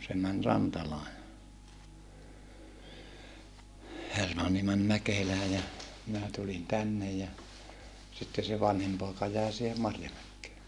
se meni Rantalaan ja Hermanni meni Mäkelään ja minä tulin tänne ja sitten se vanhin poika jäi siihen Marjamäkeen